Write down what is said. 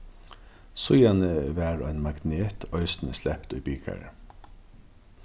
síðani varð ein magnet eisini slept í bikarið